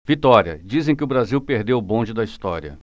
vitória dizem que o brasil perdeu o bonde da história